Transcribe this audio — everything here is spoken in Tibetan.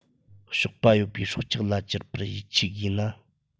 གཤོག པ ཡོད པའི སྲོག ཆགས ལ གྱུར པར ཡིད ཆེས དགོས ན